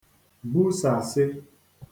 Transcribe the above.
busàsị